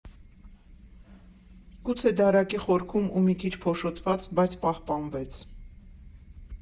Գուցե դարակի խորքում ու մի քիչ փոշոտված, բայց պահպանվեց։